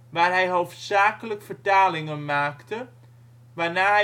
waar hij hoofdzakelijk vertalingen maakte, waarna